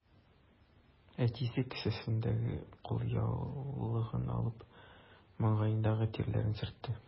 Әтисе, кесәсендәге кулъяулыгын алып, маңгаендагы тирләрен сөртте.